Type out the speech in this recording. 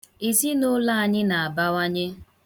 Ezinụụlọ anyị na-abawanye.